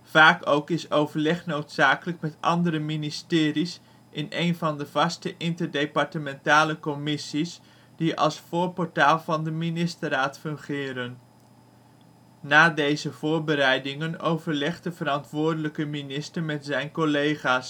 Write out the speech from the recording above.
Vaak ook is overleg noodzakelijk met andere ministeries, in één van de vaste interdepartementale commissies die als ' voorportaal ' van de ministerraad fungeren. Na deze voorbereidingen overlegt de verantwoordelijke minister met zijn collega